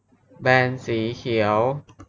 แบนสีเขียว